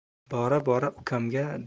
bora bora ukamga